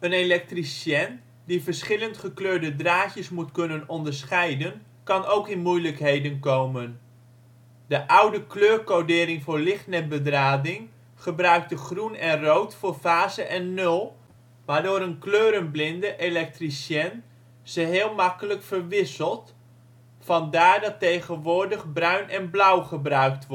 elektricien, die verschillend gekleurde draadjes moeten kunnen onderscheiden kan ook in moeilijkheden komen. De oude kleurcodering voor lichtnetbedrading gebruikte groen en rood voor fase en nul, waardoor een kleurenblinde elektricien ze heel makkelijk verwisselt, vandaar dat tegenwoordig bruin en blauw gebruikt